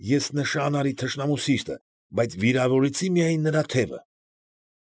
Ես նշան արի թշնամու սիրտը, բայց վիրավորեցի միայն նրա թևը։